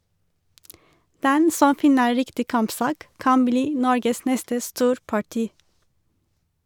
Den som finner riktig kampsak, kan bli Norges neste storparti.